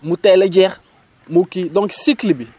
mu teel a jeex mu kii donc cycle bi